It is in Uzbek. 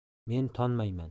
men tonmayman